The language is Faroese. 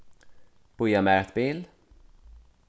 bíða mær eitt bil